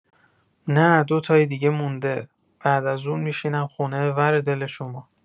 نه، دوتای دیگه مونده، بعد از اون می‌شینم خونه، ور دل شما!